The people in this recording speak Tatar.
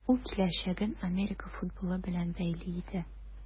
Ул киләчәген Америка футболы белән бәйли иде.